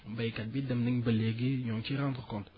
baykat bi dem nañ ba léegi ñoo ngi ciy rendre compte